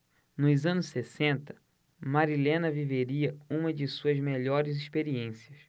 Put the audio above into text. nos anos sessenta marilena viveria uma de suas melhores experiências